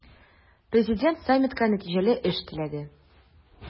Президент саммитка нәтиҗәле эш теләде.